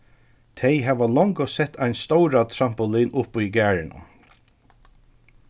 tey hava longu sett ein stóra trampolin upp í garðinum